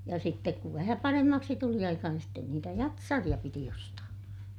ja sitten kun vähän paremmaksi tuli aika niin sitten niitä jatsareita piti ostaa